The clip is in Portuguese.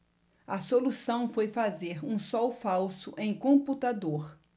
a solução foi fazer um sol falso em computador